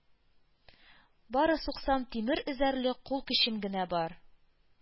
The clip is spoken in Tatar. Бары суксам тимер өзәрлек кул көчем генә бар,